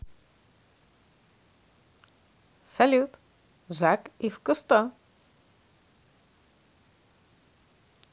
салют жак ив кусто